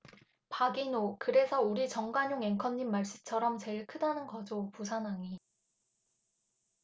박인호 그래서 우리 정관용 앵커님 말씀처럼 제일 크다는 거죠 부산항이